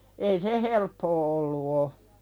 ei se helppoa ollut ole